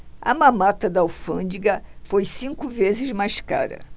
a mamata da alfândega foi cinco vezes mais cara